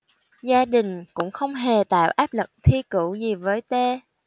gia đình cũng không hề tạo áp lực thi cử gì với t